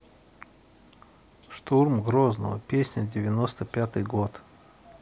штурм грозного песня девяносто пятый год